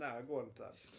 Na, go on te.